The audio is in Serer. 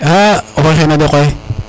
oxey xene de koye